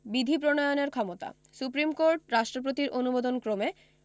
বিধি প্রণয়নের ক্ষমতা সুপ্রীম কোর্ট রাষ্ট্রপতির অনুমোদনক্রমে